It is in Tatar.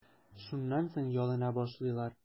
Шуннан соң ялына башлыйлар.